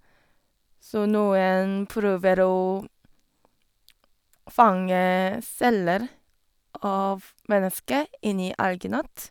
Så noen prøver å fange celler av menneske inni alginat.